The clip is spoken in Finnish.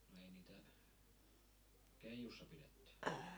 no ei niitä keijussa pidetty